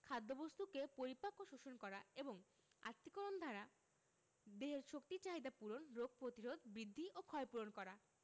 খাদ্যবস্তুকে পরিপাক ও শোষণ করা এবং আত্তীকরণ দ্বারা দেহের শক্তির চাহিদা পূরণ রোগ প্রতিরোধ বৃদ্ধি ও ক্ষয়পূরণ করা